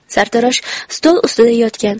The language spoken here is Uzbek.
sartarosh stol ustida yotgan